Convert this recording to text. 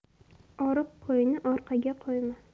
oriq qo'yni orqaga qo'yma